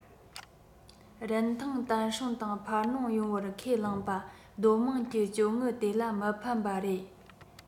རིན ཐང བརྟན སྲུང དང འཕར སྣོན ཡོང བར ཁས བླངས པ སྡོད དམངས ཀྱི བཅོལ དངུལ དེ ལ མི ཕན པ རེད